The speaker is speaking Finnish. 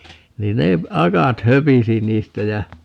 niin ne akat höpisi niistä ja